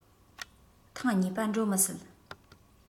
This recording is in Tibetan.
ཐེངས གཉིས པ འགྲོ མི སྲིད